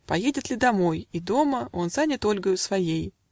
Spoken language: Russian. Поедет ли домой, и дома Он занят Ольгою своей.